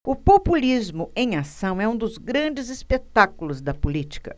o populismo em ação é um dos grandes espetáculos da política